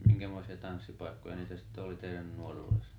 minkämoisia tanssipaikkoja niitä sitten oli teidän nuoruudessa